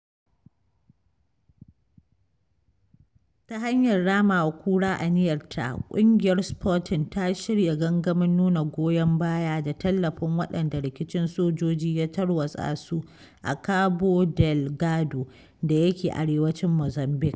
Ta hanyar rama wa kura aniyarta, Ƙungiyar Sporting ta shirya gangamin nuna goyan baya da tallafin waɗanda rikicin sojoji ya tarwatsa su a Cabo Ddelgado da yake arewacin Muzambique.